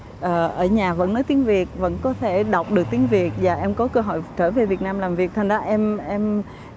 ờ ở nhà vẫn nói tiếng việt vẫn có thể đọc được tiếng việt và em có cơ hội trở về việt nam làm việc thành ra em em